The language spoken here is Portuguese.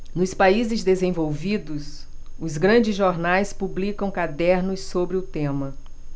nos países desenvolvidos os grandes jornais publicam cadernos sobre o tema